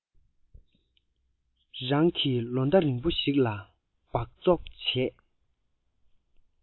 རང གི ལོ ཟླ རིང པོ ཞིག ལ སྦག བཙོག དང